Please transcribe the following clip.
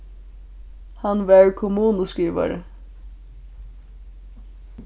hann var kommunuskrivari